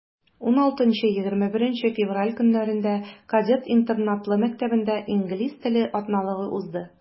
16-21 февраль көннәрендә кадет интернатлы мәктәбендә инглиз теле атналыгы узды.